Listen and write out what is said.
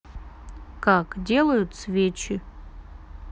как делают свечи